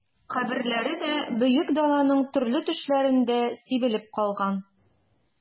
Каберләре дә Бөек Даланың төрле төшләрендә сибелеп калган...